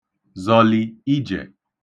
zọ̀lì ijè